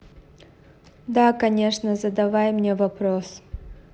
да конечно задавай мне вопрос